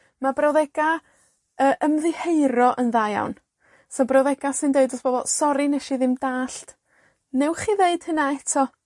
Ma' brawddega', yy, ymddiheuro yn dda iawn. So brawddega' sy'n deud wrth bobol sori, nesh i ddim dallt. Newch chi ddeud hynna eto?